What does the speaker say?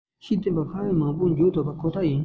ཤེས ལྡན པ སྔར བས མང བ འཇོག ཐུབ པ ཁོ ཐག ཡིན